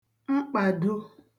mkpàdo